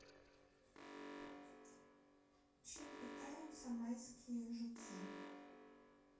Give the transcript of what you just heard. чем питаются майские жуки